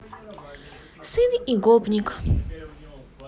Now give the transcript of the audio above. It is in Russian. сын и гопник